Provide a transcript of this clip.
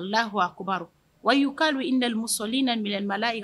Lah wa y'u ka i damu in na minɛnlala